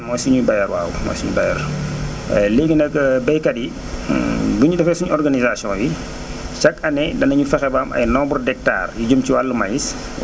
mooy suñu bailleur waaw mooy suñu bailleur léegi nag baykat yi bu ñu defee suñu organisation yi chaque année dañu fexe ba am ay nombres d' hectares yu jëm ci wàllu maïs